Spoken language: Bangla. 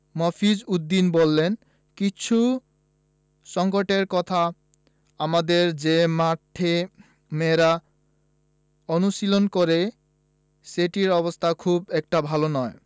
মফিজ উদ্দিন বললেন কিছু সংকটের কথা আমাদের যে মাঠে মেয়েরা অনুশীলন করে সেটির অবস্থা খুব একটা ভালো নয়